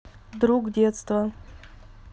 друг детства